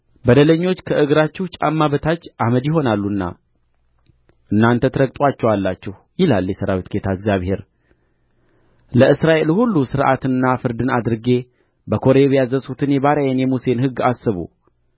በደለኞች ከእግራችሁ ጫማ በታች አመድ ይሆናሉና እናንተ ትረግጡአቸዋላችሁ ይላል የሠራዊት ጌታ እግዚአብሔር ለእስራኤል ሁሉ ሥርዓትንና ፍርድን አድርጌ በኮሬብ ያዘዝሁትን የባሪያዬን የሙሴን ሕግ አስቡ